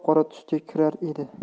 qora tusga kirar edi